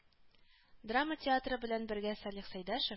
Драма театры белән бергә салих сәйдәшев